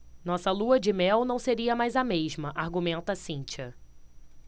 nossa lua-de-mel não seria mais a mesma argumenta cíntia